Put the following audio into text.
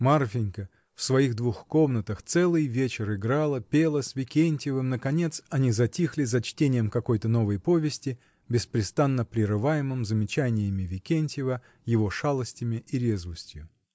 Марфинька, в своих двух комнатах, целый вечер играла, пела с Викентьевым — наконец они затихли за чтением какой-то новой повести, беспрестанно прерываемом замечаниями Викентьева, его шалостями и резвостью.